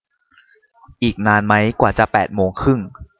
อีกนานไหมกว่าจะแปดโมงครึ่ง